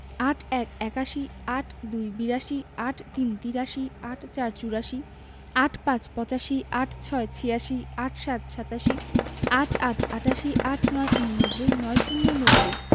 ৮১ – একাশি ৮২ – বিরাশি ৮৩ – তিরাশি ৮৪ – চুরাশি ৮৫ – পঁচাশি ৮৬ – ছিয়াশি ৮৭ – সাতাশি ৮৮ – আটাশি ৮৯ – ঊননব্বই ৯০ - নব্বই